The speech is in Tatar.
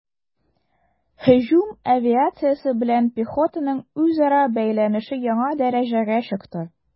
Һөҗүм авиациясе белән пехотаның үзара бәйләнеше яңа дәрәҗәгә чыкты.